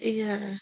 Ie.